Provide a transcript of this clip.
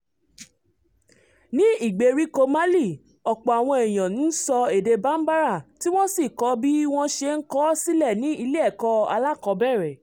Ní ìgbèríko Mali, ọ̀pọ̀ àwọn èèyàn ń sọ èdè Bambara tí wọ́n sì kọ́ bí wọ́n ṣe ń kọọ́ sílẹ̀ ní ilé-ẹ̀kọ́ alákọ̀ọ́bẹ̀rẹ̀.